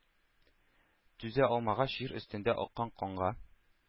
Түзә алмагач җир өстендә аккан канга,